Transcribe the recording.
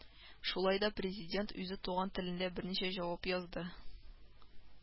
Шулай да Президент үзе туган телендә берничә җавап язды